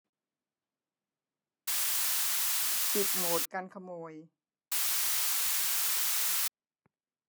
ปิดโหมดกันขโมย